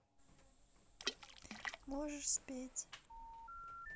можешь спеть